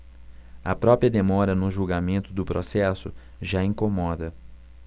a própria demora no julgamento do processo já incomoda